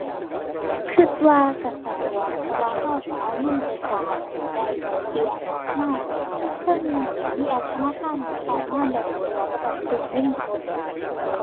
คิดว่าคิดสะดวก เพราะว่าคิดคิดเอาเงินไปฝากแล้วคิดได้ดอกเบี้ยกลับมา เทิงคันมีแอปธนาคารคิดคิดงานได้สะดวก บ่ต้องพึ่งเงินสด